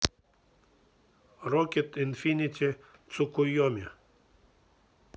rocket infinite tsukuyomi